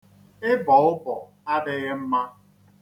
Ịbọ ụbọ adịghị mma.